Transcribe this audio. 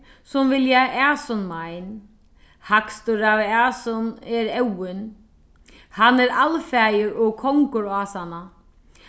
sum vilja mein hægstur av er óðin hann er alfaðir og kongur ásanna